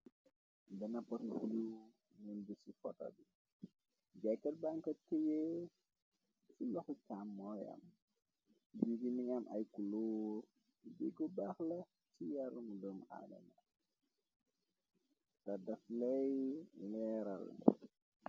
Bena potu yu nen bi ci fota bi jaykat banka cëye ci loxu càm mooyam. Jugi ningam ay kulour bi gu baax la ci yarumu dëm aalena te dafley neerall.